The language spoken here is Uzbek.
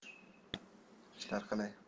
ishlar qalay